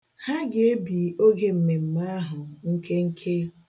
Ha ga-ebi oge mmemme ahụ nkenke.